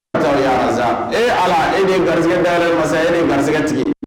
Ee ala e nin garigɛ da masa ye nin garigɛtigi